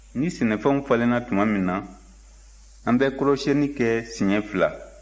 ni sɛnɛfɛnw falenna tuma min na an bɛ kɔrɔshyɛnni kɛ siɲɛ fila